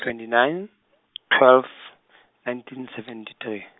twenty nine, twelve, nineteen seventy three.